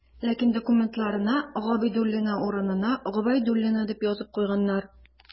Ләкин документына «Габидуллина» урынына ялгыш «Гобәйдуллина» дип язып куйганнар.